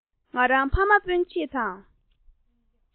ང རང ཕ མ སྤུན ཆེད དང